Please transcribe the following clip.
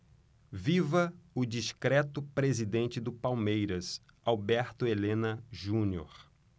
viva o discreto presidente do palmeiras alberto helena junior